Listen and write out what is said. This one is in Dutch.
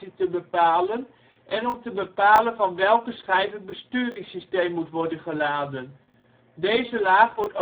te bepalen, en om te bepalen van welke schijf het besturingssysteem moet worden geladen. Deze laag wordt